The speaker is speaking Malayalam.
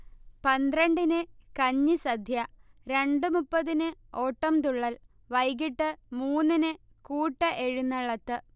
പത്രണ്ടിന് കഞ്ഞിസദ്യ, രണ്ട് മുപ്പതിന് ഓട്ടംതുള്ളൽ, വൈകീട്ട് മൂന്നിന് കൂട്ടഎഴുന്നള്ളത്ത്